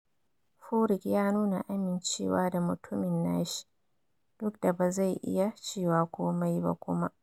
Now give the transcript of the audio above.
Furyk ya nuna amincewa da mutumin na shi, duk da ba zai iya cewa komai ba kuma.